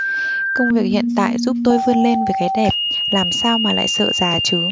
công việc hiện tại giúp tôi vươn lên với cái đẹp làm sao mà lại sợ già chứ